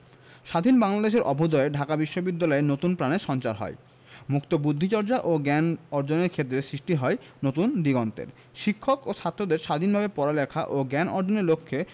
স্বাধীন বাংলাদেশের অভ্যুদয়ে ঢাকা বিশ্ববিদ্যালয়ে নতুন প্রাণের সঞ্চার হয় মুক্তবুদ্ধি চর্চা ও জ্ঞান অর্জনের ক্ষেত্রে সৃষ্টি হয় নতুন দিগন্তের শিক্ষক ও ছাত্রদের স্বাধীনভাবে পড়ালেখা ও জ্ঞান অর্জনের লক্ষ্যে